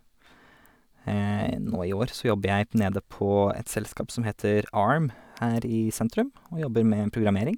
Nå i år så jobber jeg p nede på et selskap som heter Arm, her i sentrum og jobber med programmering.